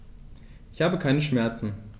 Ich habe keine Schmerzen.